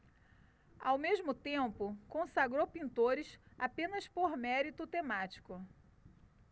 ao mesmo tempo consagrou pintores apenas por mérito temático